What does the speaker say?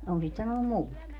on sitä sanonut muutkin